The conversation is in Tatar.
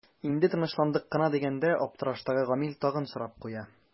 Инде тынычландык кына дигәндә аптыраштагы Гамил тагын сорап куя.